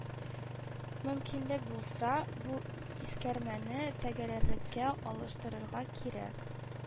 Мөмкинлек булса, бу искәрмәне төгәлрәккә алыштырырга кирәк